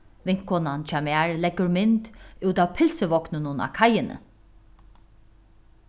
vinkonan hjá mær leggur mynd út av pylsuvogninum á kaiini